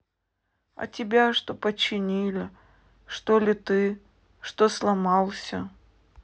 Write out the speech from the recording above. а тебя что починили что ли ты что сломался